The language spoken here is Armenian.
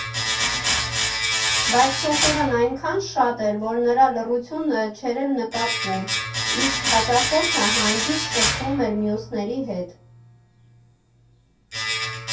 Բայց շուխուրն այնքան շատ էր, որ նրա լռությունը չէր էլ նկատվում, իսկ հաճախորդը հանգիստ շփվում էր մյուսների հետ։